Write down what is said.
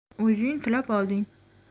o'zing tilab olding